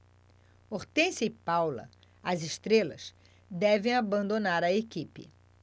hortência e paula as estrelas devem abandonar a equipe